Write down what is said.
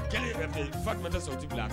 Kɛlɛ yɛrɛ ten fa tɛ so tɛ bila